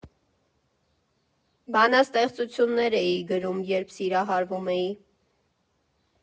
Բանաստեղծություններ էի գրում, երբ սիրահարվում էի։